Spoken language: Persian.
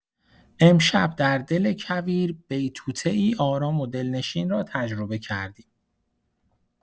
امشب در دل کویر، بیتوته‌ای آرام و دلنشین را تجربه کردیم.